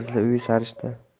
qizli uy sarishta